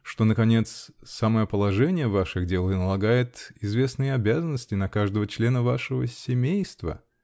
что, наконец, самое положение ваших дел налагает известные обязанности на каждого члена вашего семейства.